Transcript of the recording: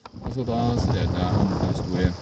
Og så da studerte jeg Hansahistorie.